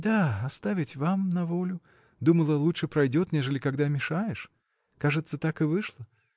— Да, оставить вам на волю: думала, лучше пройдет, нежели когда мешаешь. Кажется, так и вышло.